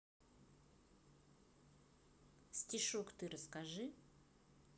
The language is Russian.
стишок ты расскажи